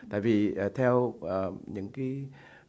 tại vì theo ờ những cái